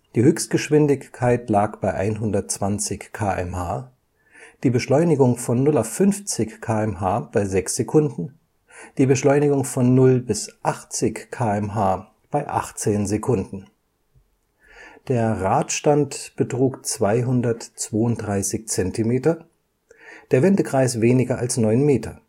Höchstgeschwindigkeit lag bei 120 km/h, die Beschleunigung von 0 – 50 km/h bei sechs Sekunden, die Beschleunigung von 0 – 80 km/h bei achtzehn Sekunden. Der Radstand betrug 232 Zentimeter, der Wendekreis weniger als neun Meter